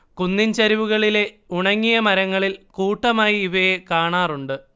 കുന്നിൻ ചെരുവുകളിലെ ഉണങ്ങിയ മരങ്ങളിൽ കൂട്ടമായി ഇവയെ കാണാറുണ്ട്